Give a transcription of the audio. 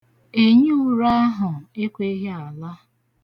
Enyiure ahụ ekweghị ala.